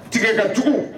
Tiga ka jugu